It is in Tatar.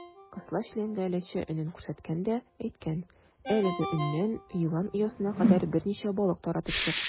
Кысла челәнгә ләтчә өнен күрсәткән дә әйткән: "Әлеге өннән елан оясына кадәр берничә балык таратып чык".